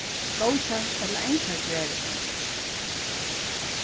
góðkenn ella angra gerðina